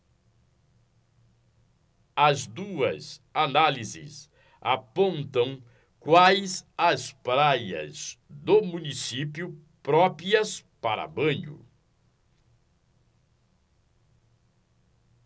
as duas análises apontam quais as praias do município próprias para banho